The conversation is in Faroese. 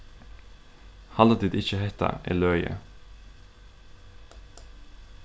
halda tit ikki at hetta er løgið